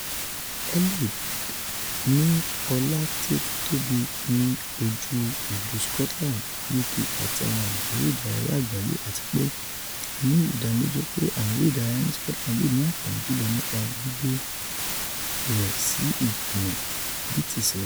"Eilidh ni ọlá ti o tobi ni oju ilu Scotland, UK ati awọn awujọ ere-idaraya agbaye ati pe a ni idaniloju pe awọn ere-idaraya ni Scotland yoo ni anfani julọ nipa gbigbe rẹ si igbimọ," Beattie sọ.